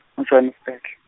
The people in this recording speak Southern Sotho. mo Johannesburg.